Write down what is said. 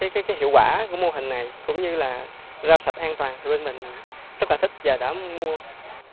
cái cái cái hiệu quả của mô hình này cũng như là rau sạch an toàn của bên mình rất là thích và đã mua